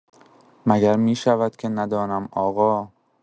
مگر می‌شود که ندانم آقا؟!